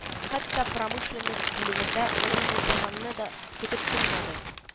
Хәтта промышленность бүлегендә урын бушаганны да көтеп тормады